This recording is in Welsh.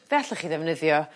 Fe allech chi ddefnyddio